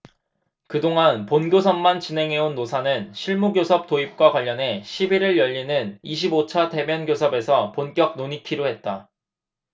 그 동안 본교섭만 진행해온 노사는 실무교섭 도입과 관련해 십 일 일 열리는 이십 오 차 대면교섭에서 본격 논의키로 했다